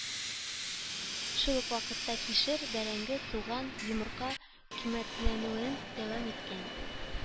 Шул ук вакытта кишер, бәрәңге, суган, йомырка кыйммәтләнүен дәвам иткән.